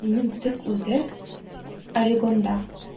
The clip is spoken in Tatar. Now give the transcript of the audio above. Минем төп үзәк Орегонда.